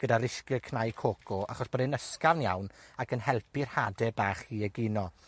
gyda cnau coco, achos bod e'n ysgafn iawn, ac yn helpu'r hade bach i egino.